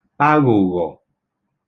aghụ̀ghọ̀